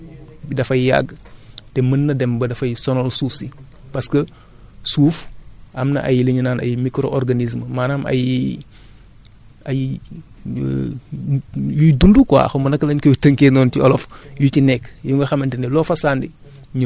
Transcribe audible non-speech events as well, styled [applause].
mais su boobaa li ñu naan décomposition [crosstalk] dafay yàgg te mën na dem ba dafay sonal suuf si parce que suuf am na ay li ñu naan ay micro organisme maanaam ay [hesitation] ay [hesitation] yuy dund quoi xaw ma naka lañ koy tënkee noonu ci olof